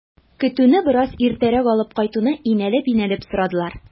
Көтүне бераз иртәрәк алып кайтуны инәлеп-инәлеп сорадылар.